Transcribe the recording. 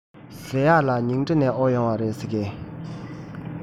ཟེར ཡས ལ ཉིང ཁྲི ནས དབོར ཡོང བ རེད ཟེར གྱིས